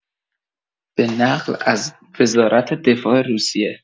به نقل از وزارت دفاع روسیه